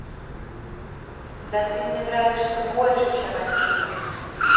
да ты мне нравишься больше чем афина